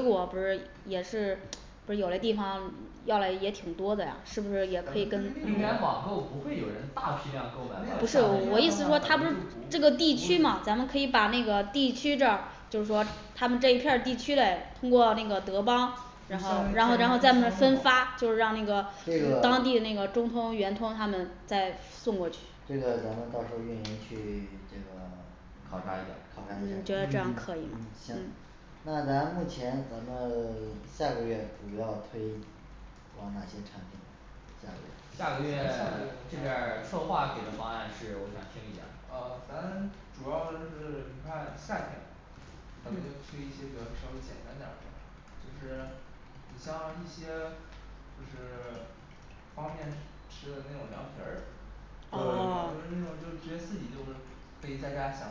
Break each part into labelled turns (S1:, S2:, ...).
S1: 果不是也是不是有的地方要嘞也挺多的呀，是不是也可以
S2: 咱
S1: 跟
S2: 们
S3: 应该网购不会有人大批量购买吧像
S1: 我
S3: 那
S1: 意思是说
S3: 种
S1: 他
S3: 咱
S1: 们
S3: 们
S1: 这
S3: 就
S1: 个
S3: 不不
S1: 地区嘛，咱们
S3: 会
S1: 可以把那个地区这儿就是说他们这一片儿地区嘞通过那个德邦
S2: 就
S1: 然后
S2: 像
S1: 然后
S2: 那
S1: 再
S2: 像那
S1: 那
S2: 个
S1: 分发就是让那个
S4: 这
S1: 当地那
S4: 个
S1: 个中通圆通他们再送过去
S4: 这个咱们到时候儿运营去 这个
S3: 考察一下儿
S4: 考察
S1: 我觉
S4: 一下
S1: 得这样
S3: 嗯
S1: 可以
S4: 行
S1: 嗯
S4: 那咱目前咱们 下个月主要推往哪些产品下个月
S3: 下个
S2: 下个
S3: 月
S2: 月
S3: 这边儿策划给的方案是我想听一下
S2: 呃咱主要是你看夏天咱们就推一些比较稍微简单点儿的就是你像一些就是 方便吃的那种凉皮儿，
S1: 啊啊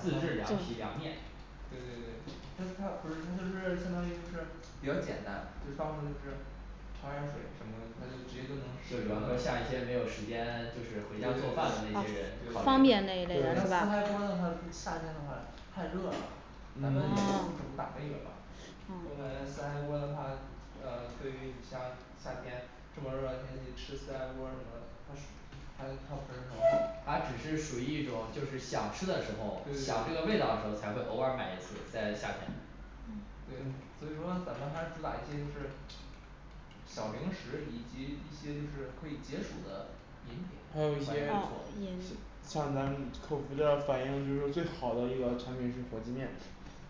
S3: 自制凉皮凉面
S2: 对对对但是他不是他就是相当于就是比较简单，就到时候就是炒点儿水什么的他就直接就
S3: 比方说
S2: 能
S3: 像一些没有时间就是回家
S2: 对
S3: 做饭
S2: 对
S3: 的那些
S2: 对
S3: 人
S1: 啊
S3: 考
S1: 方
S3: 虑
S1: 便
S3: 你像自
S1: 那些是吧
S3: 嗨锅
S1: 嗯
S3: 的话就夏天的话太热了咱们也就主
S1: 嗯
S3: 打这个了
S2: 我感觉自嗨锅的话，呃对于你像夏天这么热的天气吃自嗨锅什么的它是它它不是很好
S3: 它只是属于一种就是想吃的时
S2: 对
S3: 候，想这个味
S2: 对对
S3: 道的时候才会偶尔买一次在夏天
S4: 嗯
S2: 对，所以说咱们还是主打一些就是小零食以及一些就是可以解暑的饮品
S5: 还
S2: 还
S5: 有一
S2: 不
S5: 些
S2: 错
S1: 嗯
S5: 像咱们客服儿这反映，就是最好的一个产品是火鸡面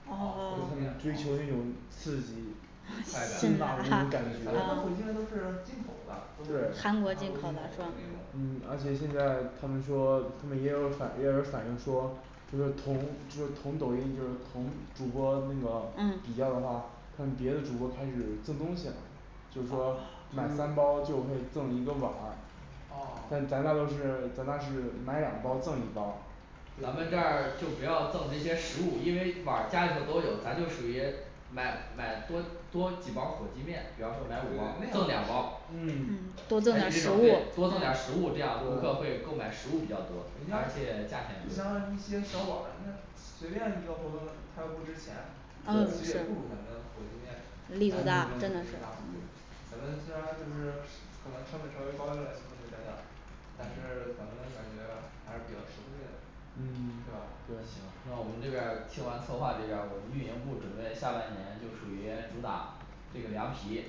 S2: 哦
S1: 哦
S2: 火鸡
S5: 追
S2: 面
S5: 求那种刺激辛
S2: 快感
S5: 辣的那种感
S2: 咱们的
S5: 觉
S2: 火鸡面都是进口的，都是
S1: 韩
S2: 韩
S1: 国
S2: 国
S1: 进
S2: 进
S1: 口
S2: 口的那种
S5: 而且现在他们说他们也有反也有人反映说就是同就是同抖音就是同主播那个比
S1: 嗯
S5: 较的话，看别的主播开始赠东西了，就是说买
S2: 就
S5: 三包就会赠一个碗儿
S2: 哦
S5: 但是咱那儿都是咱那是买两包赠一包
S3: 咱们这儿就不要赠这些实物，因为碗儿家里头都有，咱就属于买买多多几包儿火鸡面，比方
S2: 对对
S3: 说买五包儿
S2: 对
S3: 赠
S2: 那
S3: 两
S2: 样
S3: 包儿，采取这种对
S1: 多
S3: 多
S1: 赠
S3: 赠
S1: 点
S3: 点
S1: 儿
S3: 儿
S1: 食物
S3: 食物，这样顾客会购买食物比较多，而且价钱也不
S2: 你像
S3: 贵
S2: 一些小碗儿那随便一个活动它又不值钱火其
S1: 嗯
S2: 实也不如咱们的火鸡面咱肯定
S1: 利
S2: 优惠
S1: 大
S2: 大咱们虽然就是可能成本稍微高一点儿就赠给大家但是咱们感觉还是比较实惠的。
S5: 嗯
S2: 对吧？
S3: 行
S5: 对，
S3: 那我们这边儿听完策划这边儿，我们运营部准备下半年就属于主打这个凉皮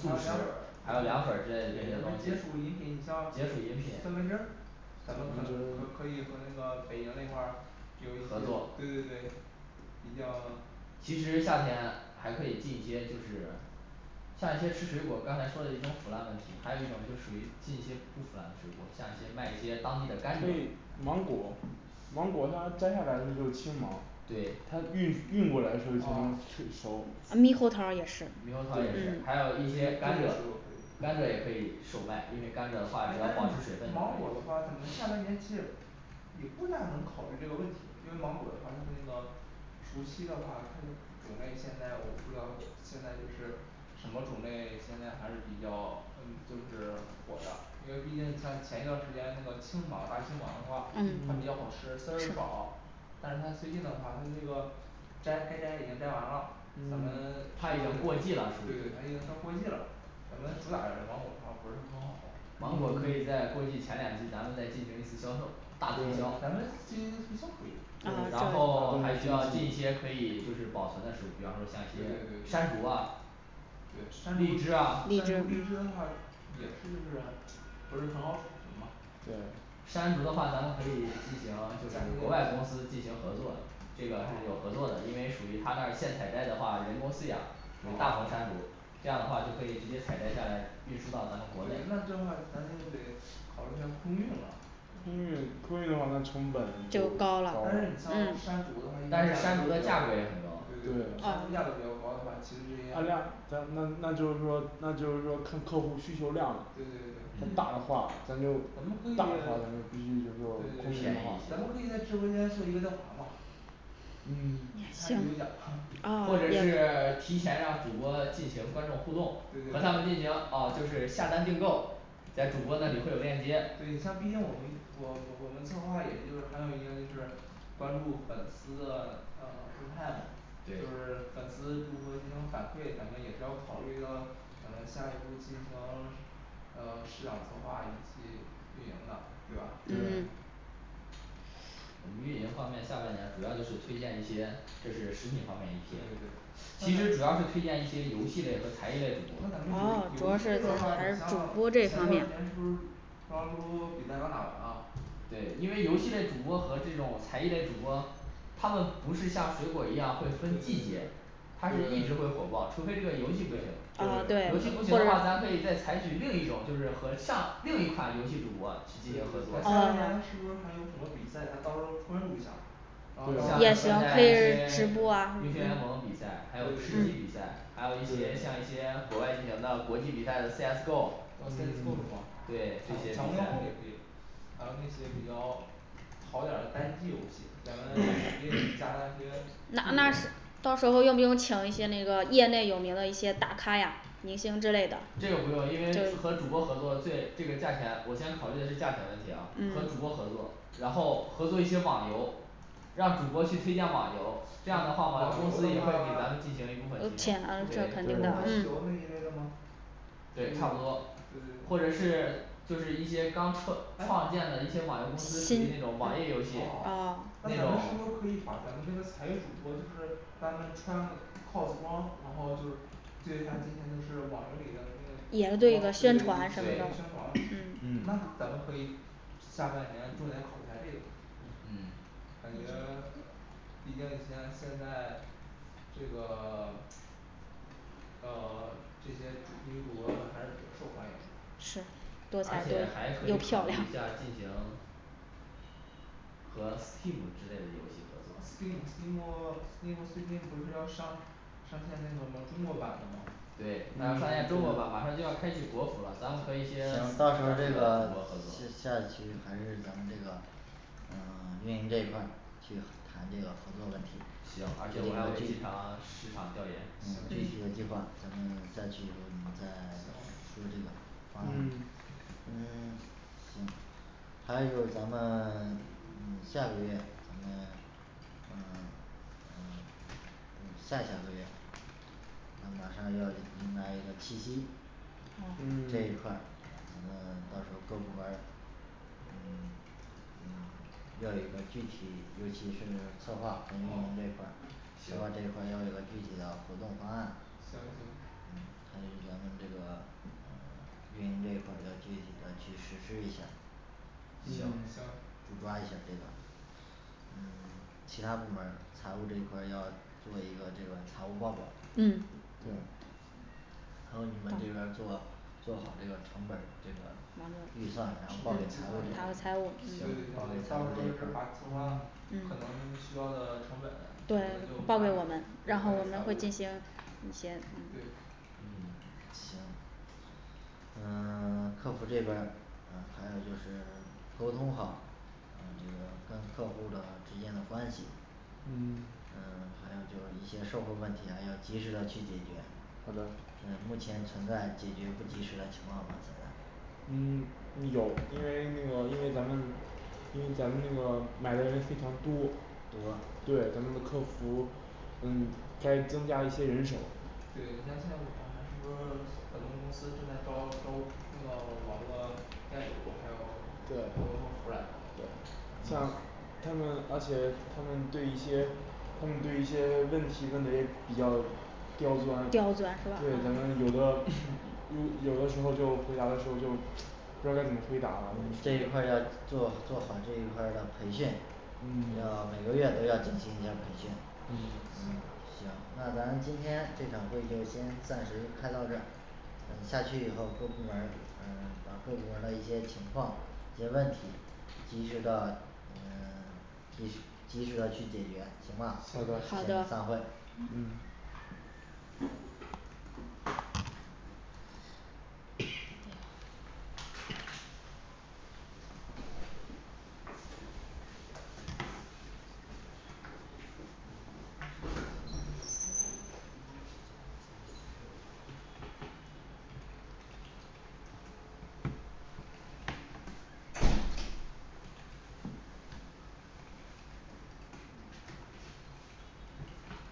S3: 速
S2: 有凉
S3: 食
S2: 粉儿
S3: 还有凉粉之类的这些
S2: 我
S3: 东
S2: 们
S3: 西
S2: 解暑饮品你像
S3: 解暑饮品
S2: 酸梅汁儿咱们可可可以和那个北京那块儿有一
S3: 合作
S2: 对对对毕竟
S3: 其实夏天还可以进一些就是像一些吃水果儿刚才说的一种腐烂问题，还有一种就属于进一些不腐烂的水果，像一些卖一些当地的甘
S5: 对
S3: 蔗
S5: 芒果芒果它摘下来的只有青芒
S3: 对
S5: 它运运过来的时候已经催熟
S1: 猕猴桃也是
S3: 猕猴桃也是还有一些甘蔗，甘蔗也可以售卖，因为甘蔗
S2: 那但
S3: 的话只要保持水
S2: 是
S3: 分就
S2: 芒果的
S3: 可以
S2: 话咱下半年其实也也不大能考虑这个问题，因为芒果的话它是那个熟悉的话，它准备现在我不知道现在就是什么种类，现在还是比较嗯就是火的，因为毕竟你像前一段儿时间那个青芒大青芒的话它比较
S1: 嗯
S5: 嗯
S2: 好吃，丝儿少但是它最近的话它这个摘该摘已经摘完了咱们
S3: 嗯他已经过季了属
S2: 对
S3: 于
S2: 对他已经算过季了咱们主打的是芒果怕不是很好
S3: 芒果可以在过季前两季咱们再进行一次销售大促
S2: 可以
S3: 销
S2: 咱们进行促销可以
S3: 然后还需要进一些可以就是保存的水果，比方说像一
S2: 对对对
S3: 些山
S2: 对
S3: 竹啊
S2: 对山
S3: 荔
S2: 竹
S3: 枝
S2: 山
S3: 啊
S2: 竹荔枝的话也是就是不是很好储存嘛，
S5: 对
S3: 山竹的话咱们可以进行就是国外公司进行合作，这个是有合作的，因为属于他那儿现采摘的话，人工饲养属于大棚山竹这样的话就可以直接采摘下来，运输到咱们国内
S2: 那这块儿咱这就得考虑一下空运了
S5: 空运空运的话那成本
S1: 就
S5: 就
S1: 高
S5: 高
S1: 了
S5: 了
S2: 但是你像山竹的话对
S3: 但
S2: 对对
S3: 是
S2: 山
S3: 山
S2: 竹
S3: 竹的价
S2: 价
S3: 格
S2: 格
S3: 也很高
S2: 比较高的话其实这些
S5: 那那那就是说那就是说看客户需求量
S2: 对对对
S5: 大的话咱就大
S2: 咱们
S5: 的话咱就
S2: 可以
S5: 必须就
S2: 对对对咱们可以咱
S5: 说空运
S2: 们可以在直播间做一个调查嘛
S5: 嗯
S2: 参与有奖哈
S3: 或者
S1: 哦
S3: 是提前让主播进行观众互
S2: 对对
S3: 动和他们进
S2: 对
S3: 行哦就是下单订购在主播那里会有链接
S2: 对你像毕竟我们我我我们策划也就是还有一些就是关注粉丝的呃 动态嘛，就
S3: 对
S2: 是粉丝如何进行反馈，咱们也是要考虑到咱下一步儿进行呃市场策划以及运营的对吧
S1: 嗯
S3: 嗯我们运营方面下半年主要就是推荐一些就是食品方面一
S2: 对
S3: 些
S2: 对对，
S3: 其实主要是推荐一些游戏类和才艺类
S2: 符合咱们游游戏类的话，你像前一段时间是不是撸啊撸
S3: 主播
S1: 啊主要是还是主播这
S2: 比赛刚打完啊
S3: 对，因为游戏类主播和这种才艺的主播，他们不是像水果一样会
S2: 对
S3: 分季
S2: 对
S3: 节
S2: 对，
S3: 他
S2: 对
S3: 是一
S2: 对
S3: 直会
S2: 对
S3: 火爆，除非这个游戏不
S2: 对
S1: 嗯，
S5: 对
S1: 对
S3: 行，游戏不行的话，咱可以在采取另一种就是和像另一款游戏主播
S2: 对对对
S3: 去进行合
S2: 咱
S3: 作
S2: 下半年是
S1: 嗯
S2: 不是还有很多比赛，咱到时候关注一下儿
S3: 像现在一些英
S1: 主
S3: 雄
S1: 播啊
S3: 联盟比赛，还有
S5: 对对
S3: 吃鸡比
S5: 对
S3: 赛，还有一些像一些国外进行的国际比赛的C S go，
S2: C S go是吗
S3: 对这些比赛
S2: 还有那些比较跑点儿单机游戏，咱们也得加大一些
S1: 那他
S2: 力度
S1: 到时候用不用请一些那个业内有名的一些大咖呀明星之类的
S3: 这个不用，因为和主播合作对这个价钱，我先考虑的是价钱问题啊和主播
S1: 嗯
S3: 合作，然后合作一些网游让主播去推荐网游，这样的话网游
S5: 网
S3: 公司
S5: 游
S3: 也会
S5: 的
S3: 给咱们
S5: 话
S3: 进行一部分提成
S5: 梦幻
S1: 嗯
S3: 对
S5: 西游那
S1: 啊
S5: 一类的吗
S3: 对差不多或
S2: 对对对
S3: 者是就是一些刚创 创
S2: 哎
S3: 建的一些网游公司属于那种网页游戏
S2: 哦
S1: 哦
S2: 那
S3: 那
S2: 咱
S3: 种
S2: 是不是可以把咱们那个才艺主播就是咱们穿cos装，然后就是对他进行就是网游里的那个服
S1: 免
S2: 装
S1: 费的
S2: 对
S1: 宣
S2: 宣
S1: 传
S2: 传
S3: 对
S2: 那
S3: 嗯
S2: 咱们可以下半年重点考虑一下这个问题，感觉毕竟你像现在这个 呃 这些女主播呢还是比较受欢迎的
S1: 是
S3: 而且还可以考虑一下进行和steam之类的游戏合作
S2: steam steam steam最近不是要上上线那个什么中国版的吗
S3: 对他要上线中国版马上就要开启国服了，咱们可以先跟这
S4: 下
S3: 个主播合作
S4: 下去还是咱们这个嗯 运营这一块儿去谈这个合作问题
S3: 行而且我还有一成市场调研
S4: 具
S2: 行
S4: 体的计划再去再
S2: 行
S4: 规定
S5: 嗯
S4: 行还有就是咱们 嗯下个月咱们嗯嗯嗯下下个月嗯马上要迎来一个七夕，这
S3: 嗯
S4: 一块儿咱们到时候各部门儿嗯嗯要有一个具体，尤其是策划和运营这
S2: 哦
S4: 块儿希望这一块儿要有个具体的活动方案
S2: 行行
S4: 行嗯还有咱们这个嗯运营这一块要具体的去实施一下
S2: 行
S3: 嗯
S2: 行
S4: 主抓一下儿这个嗯 其他部门儿财务这一块儿要做一个这个财务报表
S1: 嗯
S3: 对
S4: 还有你们这边儿做做好这个成本儿这块儿预
S1: 嗯
S4: 算然后
S1: 报
S4: 报给财
S1: 给
S4: 务
S1: 财务
S2: 对对到时候就是把策划案可能
S1: 嗯
S2: 需要的成本整
S1: 对
S2: 完就
S1: 报
S2: 发对发
S1: 给我们到时候我们都会
S2: 给
S1: 进
S2: 财务
S1: 行
S2: 对
S4: 嗯行嗯 客服儿这边儿嗯还有就是沟通好嗯这个跟客户儿的之间的关系
S5: 嗯
S4: 嗯 还有就是一些售后问题还要及时的去解决
S5: 好的
S4: 嗯目前存在解决不及时的情况吗现在
S5: 嗯有因为那个因为咱们因为咱们那个买的人非常多
S4: 多
S5: 对咱们的客服嗯该增加一些人手
S2: 对，你像现在我看是不是咱们公司正在招招那个网络店主，还有客服
S5: 对
S2: 儿来着
S5: 对像他们而且他们对一些他们对一些问题问的也比较刁钻
S1: 刁钻
S5: 对咱们有的 有的时候回答的时候就不知道该怎么回答了
S4: 这一块儿要做做好这一块儿的培训
S2: 嗯
S4: 要每个月都要进行一下培训
S5: 嗯
S2: 行
S4: 行那咱今天这场会就先暂时开到这儿下去以后各部门儿嗯把各部门儿的一些情况一些问题及时的嗯 及时及时的去解决行吧
S2: 好的
S1: 好的
S4: 散会
S2: 嗯